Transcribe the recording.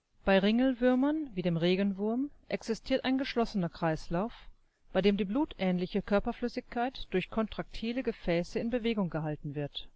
Bei Ringelwürmern wie dem Regenwurm existiert ein geschlossener Kreislauf, bei dem die blutähnliche Körperflüssigkeit durch kontraktile Gefäße in Bewegung gehalten wird